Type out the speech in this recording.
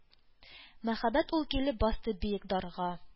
Мәһабәт ул килеп басты биек «дар»га.